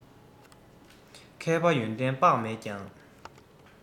མཁས པ ཡོན ཏན དཔག མེད ཀྱང